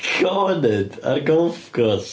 Cornered ar golf course.